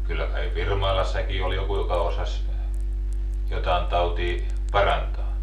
kyllä kai Virmailassakin oli joku joka osasi jotakin tautia parantaa